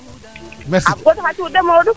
xam goɗ xa cuuɗ de Modou